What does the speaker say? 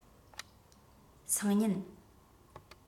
སང ཉིན